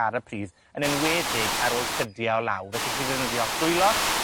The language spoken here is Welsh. ar y pridd, yn enwedig ar ôl trydie o law, felly allwch chi ddefnyddio'ch dwylo,